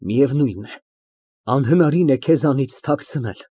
Միևնույն է, անհնարին է քեզանից թաքցնել։